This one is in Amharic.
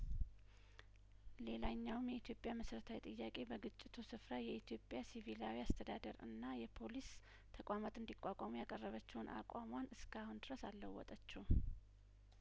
ሌላኛውም የኢትዮጵያ መሰረታዊ ጥያቄ በግጭቱ ስፍራ የኢትዮጵያ ሲቪላዊ አስተዳደር እና የፖሊስ ተቋማት እንዲ ቋቋሙ ያቀረበችውን አቋሟን እስከአሁን ድረስ አልለወጠችውም